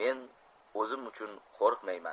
men o'zim uchun qo'rqmayman